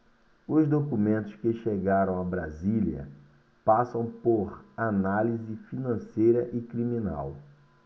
os documentos que chegaram a brasília passam por análise financeira e criminal